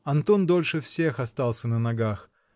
Антон дольше всех остался на ногах